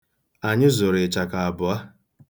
Anyị zụrụ ịchaka abụọ.